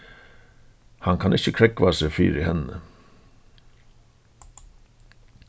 hann kann ikki krógva seg fyri henni